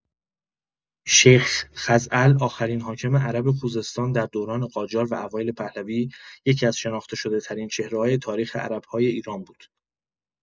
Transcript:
شیخ خزعل، آخرین حاکم عرب خوزستان در دوران قاجار و اوایل پهلوی، یکی‌از شناخته‌شده‌ترین چهره‌های تاریخ عرب‌های ایران بود.